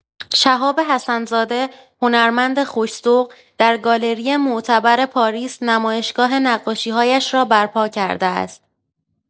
شهاب حسن‌زاده، هنرمند خوش‌ذوق، در گالری معتبر پاریس نمایشگاه نقاشی‌هایش را برپا کرده است.